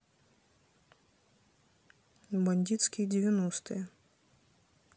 бандитские девяностые